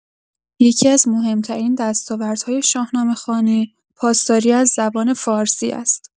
یکی‌از مهم‌ترین دستاوردهای شاهنامه‌خوانی، پاسداری از زبان فارسی است.